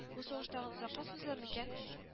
Бу сугыш тагын озакка сузылыр микән